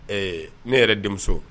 Ɛɛ ne yɛrɛ denmuso